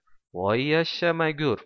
voy yashshamagur